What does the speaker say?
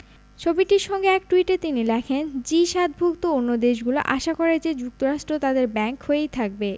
ছবিটির সঙ্গে এক টুইটে তিনি লেখেন জি ৭ ভুক্ত অন্য দেশগুলো আশা করে যে যুক্তরাষ্ট্র তাদের ব্যাংক হয়েই থাকবে